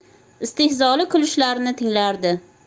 istehzoli kulishlarini tinglardi